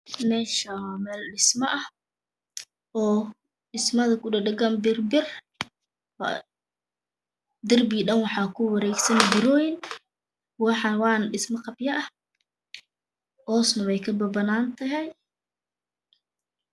Meeshaani waa meel dhismo ah oo dhismada ku dhagan-dhagan bir-bir waaye darbiga dhan waxa ku wareegsan birooyin waxa waana dhismo qabyo ah hoosna wey ka banbaantahay.